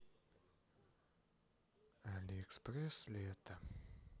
алиэкспресс лето